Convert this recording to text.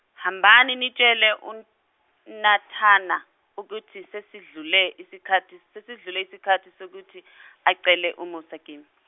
hambani nitshele uNathana ukuthi sesidlule isikhathi sesidlule isikhathi sokuthi acele umusa kim-.